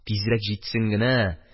Тизрәк җитсен генә